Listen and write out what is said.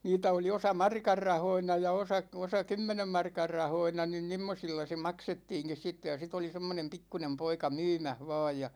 niitä oli osa markan rahoina ja osa osa kymmenen markan rahoina niin semmoisilla se maksettiinkin sitten ja sitten oli semmoinen pikkuinen poika myymässä vain ja